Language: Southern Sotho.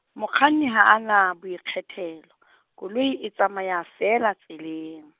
mokganni ha a na boikgethelo , koloi e tsamaya feela tseleng.